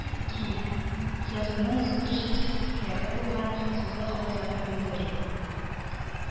Ки язуның зур җитешсезлекләре булган: сузык авазларны белдерү